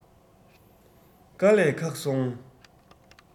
དཀའ ལས ཁག སོང